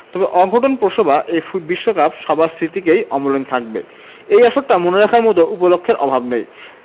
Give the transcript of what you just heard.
তবে অঘটনপ্রসবা এই বিশ্বকাপ সবার স্মৃতিতেই অমলিন থাকবে এই আসরটা মনে রাখার মতো উপলক্ষের অভাব নেই